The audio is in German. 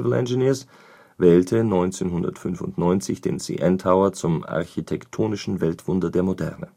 Engineers wählte 1995 den CN Tower zum Architektonischen Weltwunder der Moderne